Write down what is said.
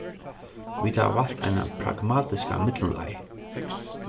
vit hava valt eina pragmatiska millumleið